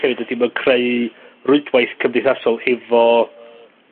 hefyd ydi ma'n creu rwydwaith cymdeithasol hefo